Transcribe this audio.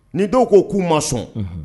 Ni dɔw ko k'u ma sɔn